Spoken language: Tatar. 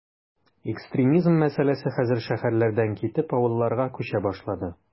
Экстремизм мәсьәләсе хәзер шәһәрләрдән китеп, авылларга “күчә” башлады.